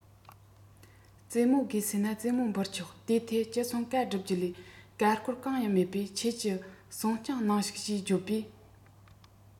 ཙེ མོ དགོས གསུངས ན ཙེ མོ འབུལ ཆོག དེའི ཐད ཅི གསུངས བཀའ སྒྲུབ ཞུ རྒྱུ ལས ཀར ཀོར གང ཡང མེད པས ཁྱེད ཀྱི གསུང རྐྱང གནང ཞིག ཅེས བརྗོད པས